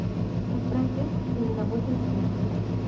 отправь весточку не работает сберзвук